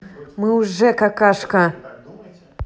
мы уже какашка